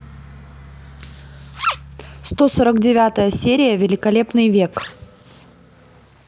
сто сорок девятая серия великолепный век